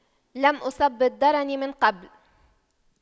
لم أصب بالدرن من قبل